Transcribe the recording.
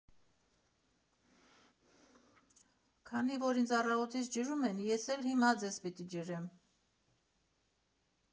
Քանի որ ինձ առավոտից ջրում են, ես էլ հիմա ձեզ պիտի ջրեմ։